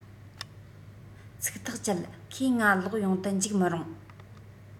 ཚིག ཐག བཅད ཁོས ང ལོག ཡོང དུ འཇུག མི རུང